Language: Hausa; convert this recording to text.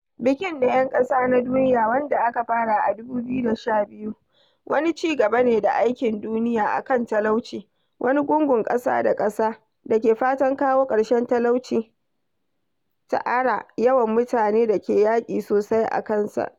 Bikin na 'Yan Ƙasa na Duniya, wanda aka fara a 2012, wani ci gaba ne da Aikin Duniya a kan Talauci, wani gungun ƙasa-da-ƙasa da ke fatan kawo ƙarshen talauci ta ara yawan mutane da ke yaƙi sosai a kansa.